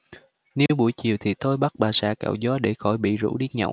nếu buổi chiều thì tôi bắt bà xã cạo gió để khỏi bị rủ đi nhậu